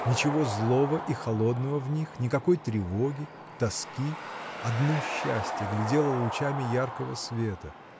Ничего злого и холодного в них, никакой тревоги, тоски: одно счастье глядело лучами яркого света.